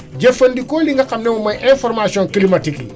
jëfandikoo li nga xam ne moom mooy information climatique yi